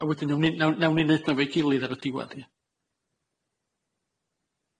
A wedyn nawn ni nawn nawn ni neudo fo'i gilydd ar y diwedd ie?